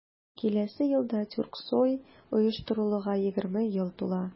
Киләсе елда Тюрксой оештырылуга 20 ел тула.